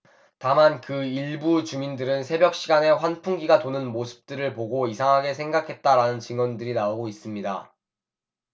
다만 그 일부 주민들은 새벽 시간에 환풍기가 도는 모습들을 보고 이상하게 생각했다라는 증언들이 나오고 있습니다